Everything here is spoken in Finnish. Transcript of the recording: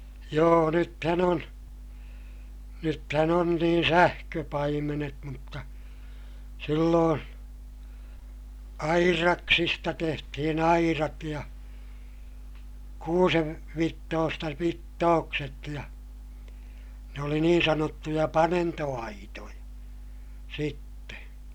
joo nythän on nythän on niin sähköpaimenet mutta silloin aidaksista tehtiin aidat ja - kuusenvitsoista vitsookset ja ne oli niin sanottuja panentoaitoja sitten